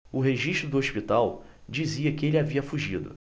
o registro do hospital dizia que ele havia fugido